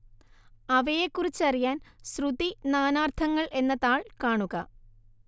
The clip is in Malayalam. അവയെക്കുറിച്ചറിയാൻ ശ്രുതി നാനാർത്ഥങ്ങൾ എന്ന താൾ കാണുക